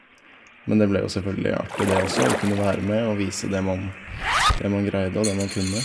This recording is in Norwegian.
Men det ble jo selvfølgelig artig, det også, å kunne være med og vise det man det man greide, og det man kunne.